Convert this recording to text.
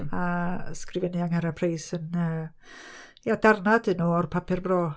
a ysgrifennu Angharad Price yn y... ia darnau ydy nhw o'r papur bro.